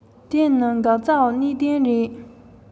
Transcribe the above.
རྒྱལ ཁབ ཀྱི ལས དབང དང